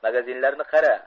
magazinlarni qara